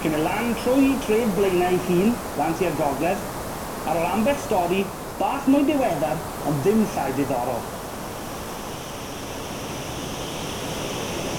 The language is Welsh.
Cyn myn' lan trwy tref Blaenau 'i hun, lan tua'r gogledd ar ôl ambell stori bach mwy diweddar ond ddim llai diddorol.